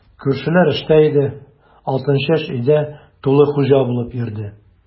Күршеләр эштә иде, Алтынчәч өйдә тулы хуҗа булып йөрде.